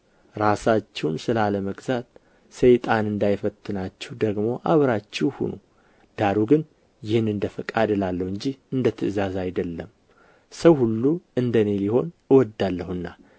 ራሳችሁን ስለ አለመግዛት ሰይጣን እንዳይፈታተናችሁ ደግሞ አብራችሁ ሁኑ ዳሩ ግን ይህን እንደ ፈቃድ እላለሁ እንጂ እንደ ትእዛዝ አይደለም ሰው ሁሉ እንደ እኔ ሊሆን እወዳለሁና